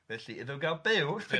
Felly, iddo gael byw... Ia...